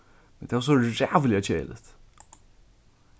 men tað var so ræðuliga keðiligt